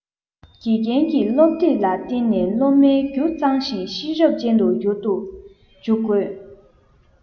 དགེ རྒན གྱིས སློབ དེབ ལ བརྟེན ནས སློབ མའི རྒྱུ གཙང ཞིང ཤེས རབ ཅན དུ འགྱུར དུ འཇུག དགོས